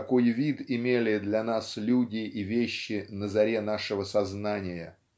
какой вид имели для нас люди и вещи на заре нашего сознания